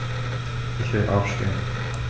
Ich will aufstehen.